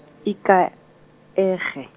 ikaege.